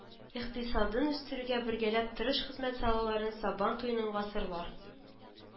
Икътисадын үстерүгә бергәләп тырыш хезмәт салуларын, сабантуеның гасырлар